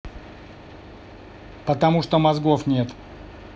потому что мозгов нет